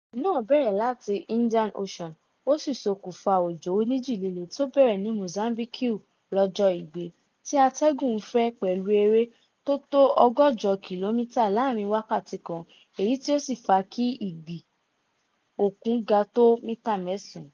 Ìjì náà bẹ̀rẹ̀ láti Indian Ocean ó sì sokunfà òjò oníjì líle tó bẹ̀rẹ̀ ní Mozambique lọjọ Igbe, tí atégùn ń fẹ́ pẹ̀lú eré tó tó kìlómítà 160 láàárìn wákàtí kan, èyí tí ó sì fàá kí ìgbì òkun ga tó mítà 9.